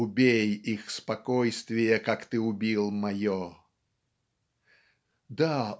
Убей их спокойствие, как ты убил мое. " Да